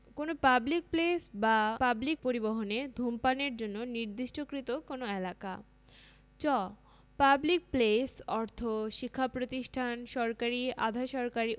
কোন public place বা public পরিবহণে ধূমপানের জন্য নির্দিষ্টকৃত কোন এলাকা চ পাবলিক প্লেস অর্থ শিক্ষা প্রতিষ্ঠান সরকারী আধা সরকারী